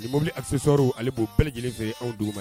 Ani mobile accessoires ale b'o bɛɛ lajɛlen